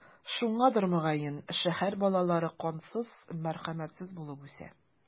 Шуңадыр, мөгаен, шәһәр балалары кансыз, мәрхәмәтсез булып үсә.